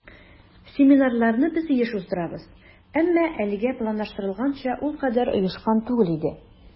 Семинарларны без еш уздырабыз, әмма әлегә планлаштырылганча ул кадәр оешкан түгел иде.